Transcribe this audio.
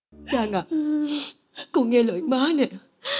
trang ạ con nghe lời má nghe